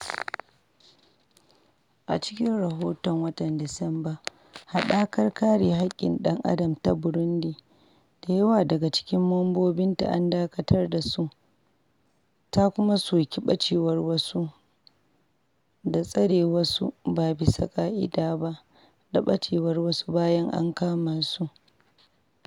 A cikin rahoton watan Disamba, hadakar Kare Haƙƙin Dan-Adam ta Burundi — da yawa daga cikin membobinta an dakatar da su — ta kuma soki bacewar wasu, da tsare wasu ba bisa ka'ida ba, da ɓacewar wasu bayan ankama su.